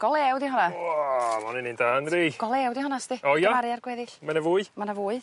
Go lew 'di honna. O ma' 'on un un da yndydi? Go lew 'di honna sti. O ie? Cymharu â'r gweddill. Ma' 'na fwy? Ma 'na fwy.